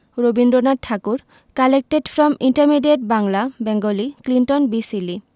Rabindranath Thakur collected from intermediate Bangla Bengali Clinton B Seely